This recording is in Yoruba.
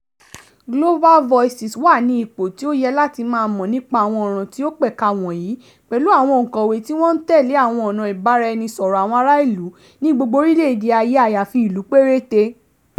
Global Voices wà ní ipò tí ó yẹ láti máa mọ̀ nípa àwọn ọ̀ràn tí ó pẹ̀ka wọ̀nyí pẹ̀lú àwọn ọ̀ǹkọ̀wé tí wọ́n ń tẹ́lẹ̀ àwọn ọ̀nà ìbáraẹnisọ̀rọ̀ àwọn ará ìlù ní gbogbo orílẹ̀-èdè ayé àyàfi ìlú péréte.